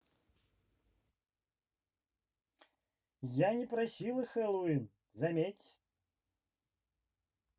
я не просила хэллоуин заметь